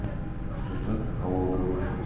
haqiqat havoga o'xshaydi